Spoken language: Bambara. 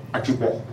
A t'i bɔ